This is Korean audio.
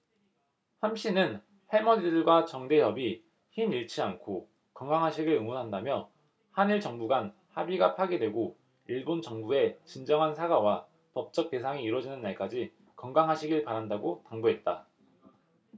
함씨는 할머니들과 정대협이 힘 잃지 않고 건강하시길 응원한다며 한일 정부 간 합의가 파기되고 일본 정부의 진정한 사과와 법적 배상이 이뤄지는 날까지 건강하시기 바란다고 당부했다